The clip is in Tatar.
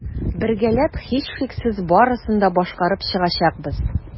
Бергәләп, һичшиксез, барысын да башкарып чыгачакбыз.